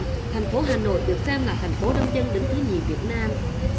thành phố hà nội được xem là thành phố đông dân đứng thứ nhì việt nam